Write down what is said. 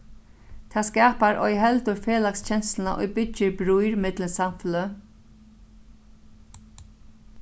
tað skapar ei heldur felags kensluna ið byggir brýr millum samfeløg